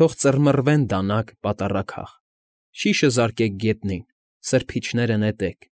Թող ծռմռվեն դանակ, պատառաքաղ, Շիշը զարկեք գետնին, սրբիչները նետեք,